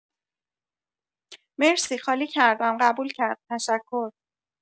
مرسی خالی کردم قبول کرد تشکر